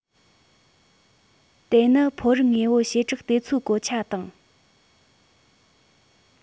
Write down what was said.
དེ ནི ཕོ རིགས དངོས པོའི བྱེ བྲག དེ ཚོའི གོ ཆ དང